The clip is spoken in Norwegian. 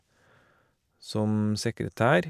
Som sekretær.